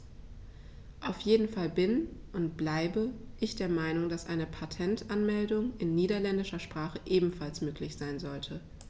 Auf jeden Fall bin - und bleibe - ich der Meinung, dass eine Patentanmeldung in niederländischer Sprache ebenfalls möglich sein sollte.